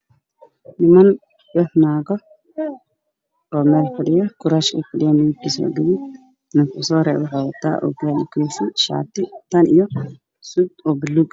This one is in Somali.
Niman iyo naago meel fadhiyo